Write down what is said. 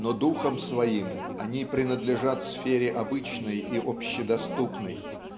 но духом своим они принадлежат сфере обычной и общедоступной.